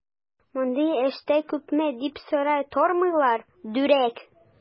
Мондый эштә күпме дип сорап тормыйлар, дүрәк!